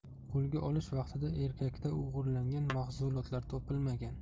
qo'lga olish vaqtida erkakda o'g'irlangan mahsulotlar topilmagan